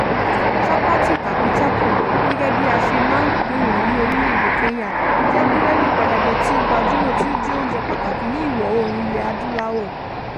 Chapati tàbí "chapo" gẹ́gẹ́ bí a ṣe máa pè wọ́n ní orílẹ̀ èdè Kenya, jẹ́ búrẹ́dì pẹlẹbẹ tí ó gbajúmò tí ó jẹ́ oúnjẹ pàtàkì ní Ìwọ Oòrùn Ilẹ̀ Adúláwò.